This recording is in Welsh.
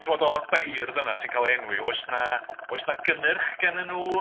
Timod o'r beirdd yna sy'n cael eu enwi, oes 'na oes 'na gynnyrch gennyn nhw?